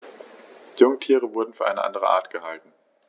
Jungtiere wurden für eine andere Art gehalten.